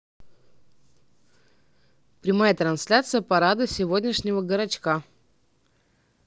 прямая трансляция парада сегодняшнего горочка